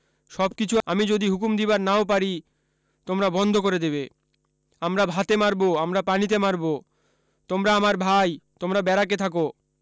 সবকিছু আমি যদি হুকুম দিবার নাও পারি তোমরা বন্ধ করে দেবে আমরা ভাতে মারব আমরা পানিতে মারব তোমরা আমার ভাই তোমরা ব্যারাকে থাকো